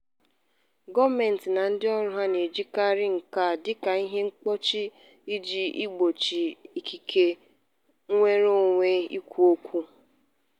Gọọmentị na ndịọrụ ha na-ejikarị nke a dịka ihe mkpuchi iji gbochie ikike nnwereonwe ikwu okwu.